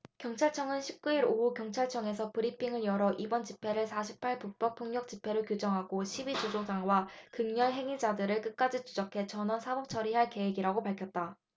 경찰청은 십 구 일 오후 경찰청에서 브리핑을 열어 이번 집회를 사 십 팔 불법 폭력 집회로 규정하고 시위 주동자와 극렬 행위자들을 끝까지 추적해 전원 사법처리할 계획이라고 밝혔다